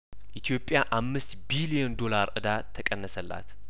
ኢትዮጵያ አምስት ቢሊዮን ዶላር እዳተቀነሰላት